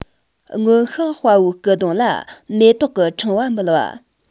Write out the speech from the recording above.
སྔོན གཤེགས དཔའ བོའི སྐུ གདུང ལ མེ ཏོག གི ཕྲེང བ འབུལ བ